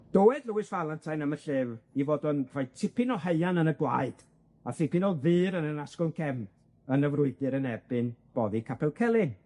Dywed Lewis Valentine am y llyfr 'i fod o'n rhoi tipyn o haearn yn y gwaed, a tipyn o ddur yn yr asgwrn cefn yn y frwydyr yn erbyn boddi Capel Celyn.